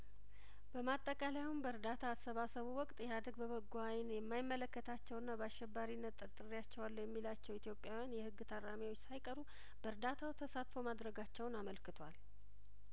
በማጠቃለያውም በእርዳታ አሰባሰቡ ወቅት ኢህአዲግ በበጐ አይን የማይመለከታቸውና በአሸባሪነት ጠርጥሬያቸዋለሁ የሚላቸው ኢትዮጵያውያን የህግ ታራሚዎች ሳይቀሩ በእርዳታው ተሳትፎ ማድረጋቸውን አመልክቷል